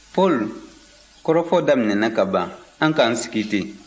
paul kɔrɔfɔ daminɛna kaban an k'an sigi ten